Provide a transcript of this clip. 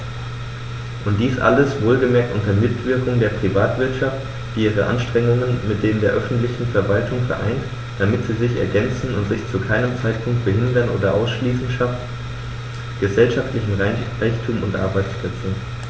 Und dies alles - wohlgemerkt unter Mitwirkung der Privatwirtschaft, die ihre Anstrengungen mit denen der öffentlichen Verwaltungen vereint, damit sie sich ergänzen und sich zu keinem Zeitpunkt behindern oder ausschließen schafft gesellschaftlichen Reichtum und Arbeitsplätze.